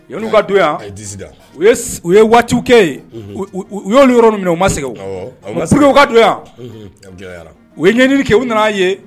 Yanu ka don yan dida u u ye waati kɛ ye u y' yɔrɔ minɛ u ma se ma sw ka don yan u ye ɲɛɲini kɛ u nana' ye